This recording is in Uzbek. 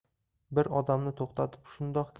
bir odamni to'xtatib shundoq